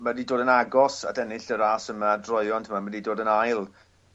ma' di dod yn agos at ennill y ras yma droeon t'mo' ma' 'di dod yn ail